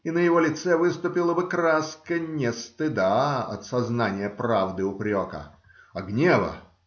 и на его лице выступила бы краска не стыда от сознания правды упрека, а гнева.